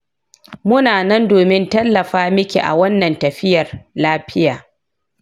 muna nan domin tallafa miki a wannan tafiyar lafiya.